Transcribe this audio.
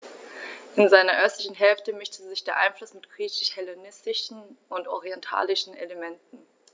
In seiner östlichen Hälfte mischte sich dieser Einfluss mit griechisch-hellenistischen und orientalischen Elementen.